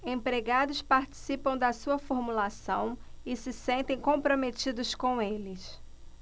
empregados participam da sua formulação e se sentem comprometidos com eles